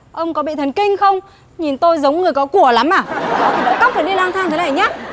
ông có bị thần kinh không nhìn tôi giống người có của lắm à đã cóc phải đi lang thang thế này nhá